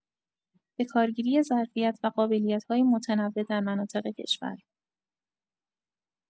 به‌کارگیری ظرفیت و قابلیت‌های متنوع در مناطق کشور